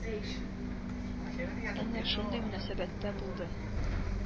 Әнә шундый мөнәсәбәттә булды.